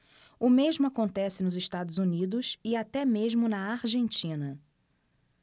o mesmo acontece nos estados unidos e até mesmo na argentina